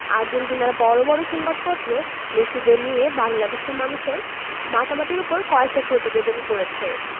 আর্জেন্টিনার বড় বড় সংবাদপত্র মেসিদের নিয়ে বাংলাদেশের মানুষের মাতামাতির ওপর কয়েকটা প্রতিবেদন করেছে